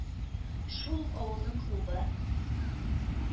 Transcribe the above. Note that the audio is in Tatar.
Шул ук авылның клубы.